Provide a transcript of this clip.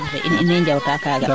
in ine njawtaa kaaga